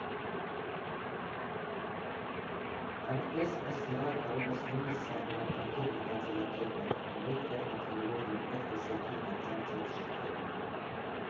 Այդպես, ըստ նրա, կարող ես նույնիսկ սահմանափակել մտածելակերպդ՝ մեկ տեղ ապրելով և մեկ տեսակի անձանց հետ շփվելով։